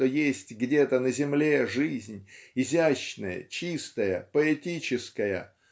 что есть где-то на земле жизнь изящная чистая поэтическая